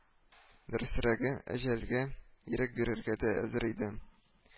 Дөресрәге, әҗәлгә ирек бирергә дә әзер идем